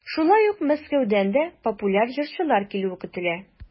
Шулай ук Мәскәүдән дә популяр җырчылар килүе көтелә.